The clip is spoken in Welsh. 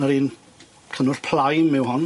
Na'r un cynnwll plaen mewn hon.